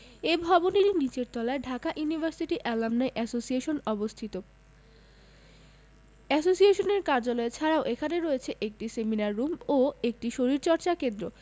এ ভবনেরই নিচের তলায় ঢাকা ইউনিভার্সিটি এলামনাই এসোসিয়েশন অবস্থিত এসোসিয়েশনের কার্যালয় ছাড়াও এখানে রয়েছে একটি সেমিনার রুম ও একটি শরীরচর্চা কেন্দ্র